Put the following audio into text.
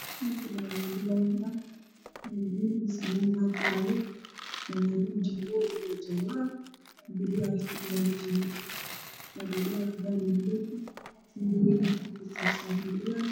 Waa waddo laami ah oo ibaro oo qofna uusan miraynin hargeysa ka jiro kama ganacsi ah oo ku hordhagan boorar